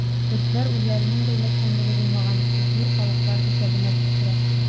Көрдләр үзләренең дәүләтчелеге булмаган зур халыклар исәбенә керә.